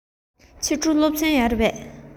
ཕྱི དྲོ སློབ ཚན ཡོད རེད པས